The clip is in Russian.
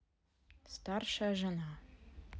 старшая жена